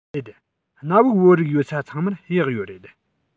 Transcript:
རེད གནའ བོའི བོད རིགས ཡོད ས ཚང མར གཡག ཡོད རེད